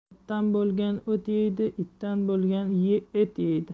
otdan bo'lgan o't yeydi itdan bo'lgan et yeydi